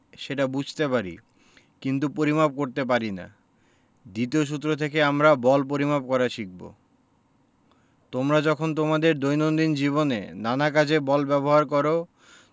সেটা বুঝতে পারি কিন্তু পরিমাপ করতে পারি না দ্বিতীয় সূত্র থেকে আমরা বল পরিমাপ করা শিখব তোমরা যখন তোমাদের দৈনন্দিন জীবনে নানা কাজে বল ব্যবহার করো